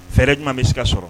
Fɛɛrɛ jumɛn bɛ sigi ka sɔrɔ